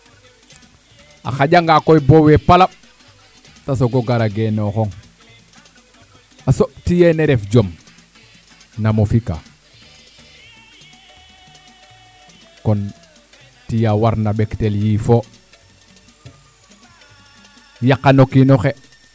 a xaƴa nga koy bowe palaɓ te soogo gara geenoxong a soɓ tiyene ref jom namo fi ka kon tiya warna ɓeklel yiifo yaqano kiino xe